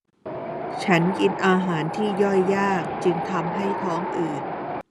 ฉันกินอาหารที่ย่อยยากจึงทำให้ท้องอืด